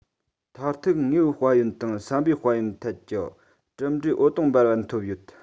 མཐར ཐུག དངོས པོའི དཔལ ཡོན དང བསམ པའི དཔལ ཡོན ཐད ཀྱི གྲུབ འབྲས འོད སྟོང འབར བ ཐོབ ཡོད